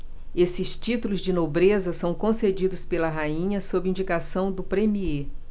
esses títulos de nobreza são concedidos pela rainha sob indicação do premiê